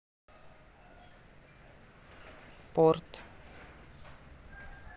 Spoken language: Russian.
порт